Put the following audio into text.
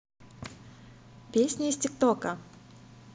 песня из тик тока